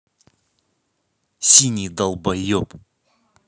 синий долбоеб